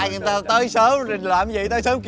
à tụi tao tới sớm làm cái gì tới sớm